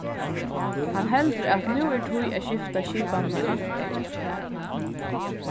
hann heldur at nú er tíð at skifta skipanina út